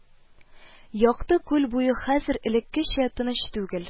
Якты күл буе хәзер элеккечә тыныч түге